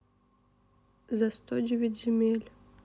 за сто девять земель